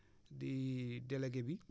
di délégué bi